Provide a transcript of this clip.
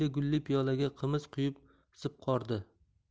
jiyda gulli piyolaga qimiz quyib sipqordi